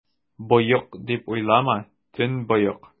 Боек, дип уйлама, төнбоек!